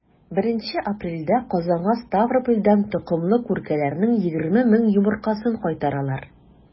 1 апрельдә казанга ставропольдән токымлы күркәләрнең 20 мең йомыркасын кайтаралар.